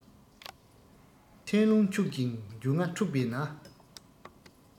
ཐད རླུང འཁྱུག ཅིང འབྱུང ལྔ འཁྲུགས པས ན